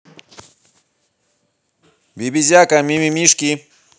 бибизяка мимимишки